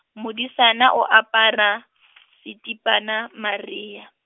modisana o apara , setipana mariha.